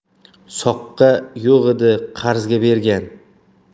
soqqa yo'g'idi qarzga bergan